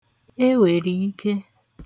ewèrèike